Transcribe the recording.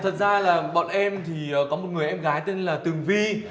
thật ra là bọn em thì ờ có một người em gái tên là tường vi